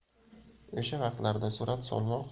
o'sha vaqtlarda surat solmoq